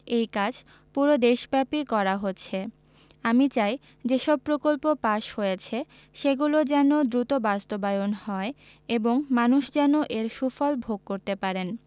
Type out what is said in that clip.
এই কাজ পুরো দেশব্যাপী করা হচ্ছে আমি চাই যেসব প্রকল্প পাস হয়েছে সেগুলো যেন দ্রুত বাস্তবায়ন হয় এবং মানুষ যেন এর সুফল ভোগ করতে পারেন